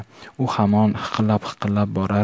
u hamon hiqillab hiqillab borar